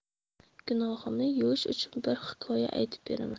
gunohimni yuvish uchun bir hikoya aytib beraman